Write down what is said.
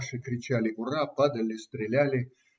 Наши кричали "ура!", падали, стреляли.